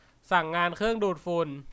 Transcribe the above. สั่งงานเครื่องดูดฝุ่น